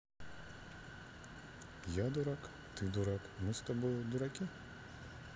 я дурак ты дурак мы с тобой дураки